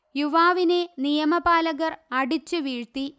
യുവാവിനെ നിയമപാലകർ അടിച്ചു വീഴ്ത്തി